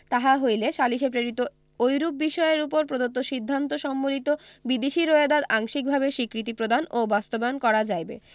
তাহা হইলে সালিসে প্রেরিত ঐরূপ বিষয়ের উপর প্রদত্ত সিদ্ধান্ত সম্বলিত বিদেশী রোয়েদাদ আংশিকভাবে স্বীকৃতি প্রদান ও বাস্তবায়ন করা যাইবে